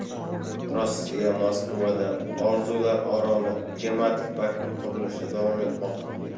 rossiya moskvada orzular oroli tematik parki qurilishi davom etmoqda